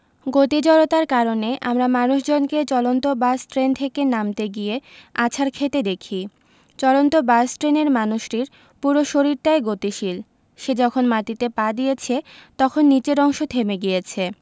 গতি জড়তার কারণে আমরা মানুষজনকে চলন্ত বাস ট্রেন থেকে নামতে গিয়ে আছাড় খেতে দেখি চলন্ত বাস ট্রেনের মানুষটির পুরো শরীরটাই গতিশীল সে যখন মাটিতে পা দিয়েছে তখন নিচের অংশ থেমে গিয়েছে